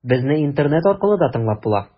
Безне интернет аркылы да тыңлап була.